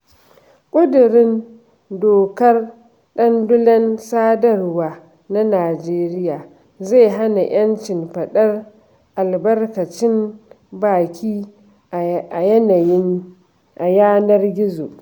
ƙudurin dokar dandulan sadarwa na Najeriya zai hana 'yancin faɗar albarkacin baki a yanar gizo.